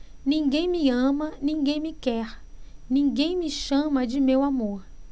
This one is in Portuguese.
ninguém me ama ninguém me quer ninguém me chama de meu amor